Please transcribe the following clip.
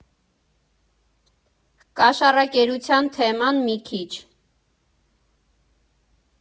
Կաշառակերության թեման մի քիչ…